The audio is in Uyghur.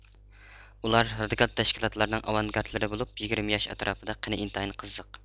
ئۇلار رادىكال تەشكىلاتلارنىڭ ئاۋانگارتلىرى بولۇپ يىگىرمە ياش ئەتراپىدا قېنى ئىنتايىن قىزىق